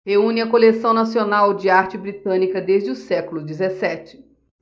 reúne a coleção nacional de arte britânica desde o século dezessete